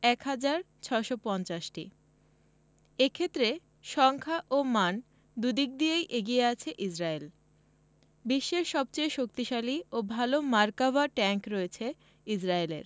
১ হাজার ৬৫০টি এ ক্ষেত্রে সংখ্যা ও মান দুদিক দিয়েই এগিয়ে আছে ইসরায়েল বিশ্বের সবচেয়ে শক্তিশালী ও ভালো মার্কাভা ট্যাংক রয়েছে ইসরায়েলের